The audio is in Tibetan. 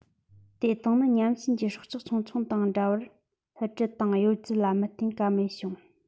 དེ དག ནི ཉམས ཞན གྱི སྲོག ཆགས ཆུང ཆུང དང འདྲ བར སླུ བྲུད དང གཡོ རྫུ ལ མི བརྟེན ག མེད བྱུང